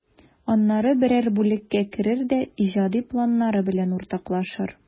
Аннары берәр бүлеккә керер дә иҗади планнары белән уртаклашыр.